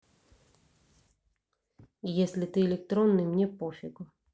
если ты электронный мне пофигу